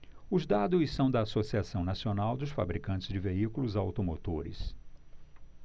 os dados são da anfavea associação nacional dos fabricantes de veículos automotores